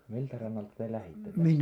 miltä rannalta te lähditte tästä